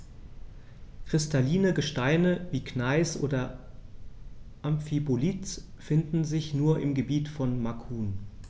Kristalline Gesteine wie Gneis oder Amphibolit finden sich nur im Gebiet von Macun.